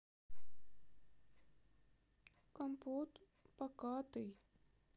компот покатый